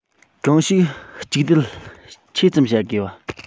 གང ཞིག གཅིག སྡུད ཆེ ཙམ བྱ དགོས པ